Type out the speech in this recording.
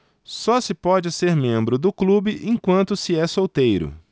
só se pode ser membro do clube enquanto se é solteiro